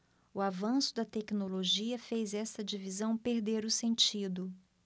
o avanço da tecnologia fez esta divisão perder o sentido